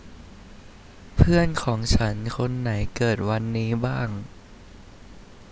เพื่อนของฉันคนไหนเกิดวันนี้บ้าง